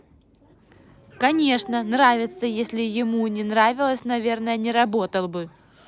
конечно нравится если ему не нравилось наверное не работал бы